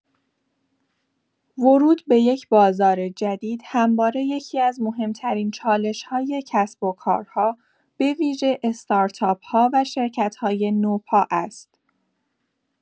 ورود به یک بازار جدید همواره یکی‌از مهم‌ترین چالش‌های کسب‌وکارها، به‌ویژه استارتاپ‌ها و شرکت‌های نوپا است.